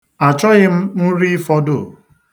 Achọghị m nri ịfọdụ.